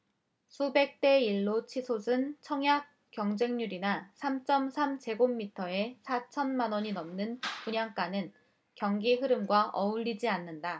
수백 대 일 로 치솟은 청약 경쟁률이나 삼 쩜 삼 제곱미터에 사천 만원이 넘은 분양가는 경기흐름과 어울리지 않는다